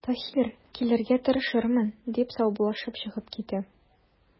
Таһир:– Килергә тырышырмын,– дип, саубуллашып чыгып китә.